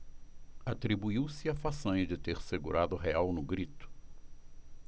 atribuiu-se a façanha de ter segurado o real no grito